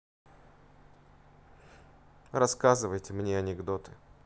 рассказывай мне анекдоты